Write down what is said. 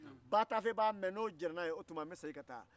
ni ba tafe jɛnna n'a ye n bɛ segin ka taa